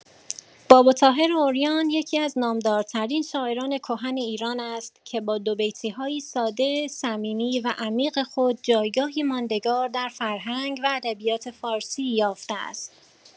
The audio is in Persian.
باباطاهر عریان یکی‌از نامدارترین شاعران کهن ایران است که با دوبیتی‌های ساده، صمیمی و عمیق خود جایگاهی ماندگار در فرهنگ و ادبیات فارسی یافته است.